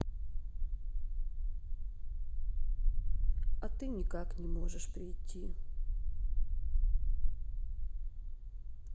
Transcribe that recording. а ты никак не можешь прийти